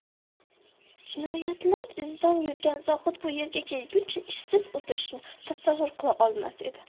jinoyatlar izidan yurgan zohid bu yerga kelguncha ishsiz o'tirishni tasavvur qila olmas edi